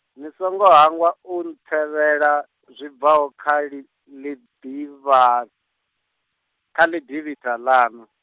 ni songo hangwa u ntsevhela zwi bvaho kha ḽi ḽi ḓivha, kha ḽidivhitha ḽaṋu.